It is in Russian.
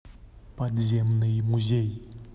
подземный музей